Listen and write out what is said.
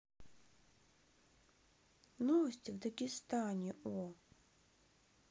новости в дагестане о